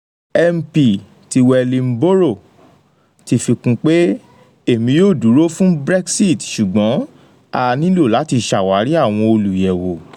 MP ti Welingborough fi kun pé: 'Èmi yóò dúró fún Brexit ṣùgbọ́n a nílò láti ṣàwárí àwọn Olùyẹ̀wò.'